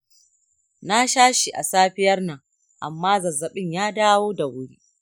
na sha shi a safiyar nan, amma zazzabin ya dawo da wuri.